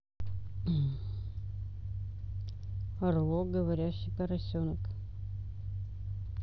арло говорящий поросенок